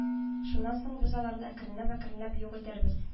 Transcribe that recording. Шуннан соң без аларны әкренләп-әкренләп юк итәрбез